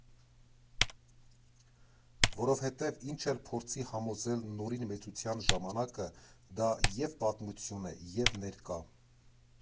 Որովհետև ինչ էլ փորձի համոզել նորին մեծություն Ժամանակը, դա և՛ պատմություն է, և՛ ներկա։